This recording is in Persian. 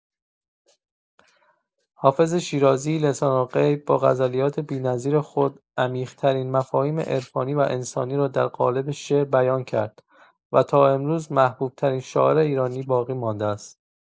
حافظ شیرازی، لسان‌الغیب، با غزلیات بی‌نظیر خود، عمیق‌ترین مفاهیم عرفانی و انسانی را در قالب شعر بیان کرد و تا امروز محبوب‌ترین شاعر ایرانی باقی‌مانده است.